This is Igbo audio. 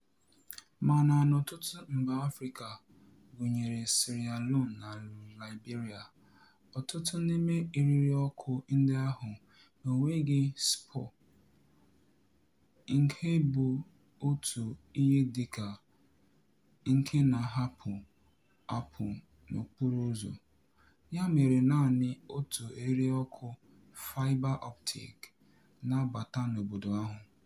Mana, n'ọtụtụ mba Afrịka - gụnyere Sierra Leone na Liberia - ọtụtụ n'ime eririọkụ ndị ahụ enweghị spọọ (nke bụ otu ihe dịka nke na-apụ apụ n'okporoụzọ), ya mere naanị otu eririọkụ faịba optik na-abata n'obodo ahụ.